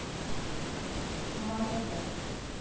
мойдодыр